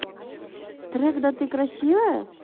трек да ты красивая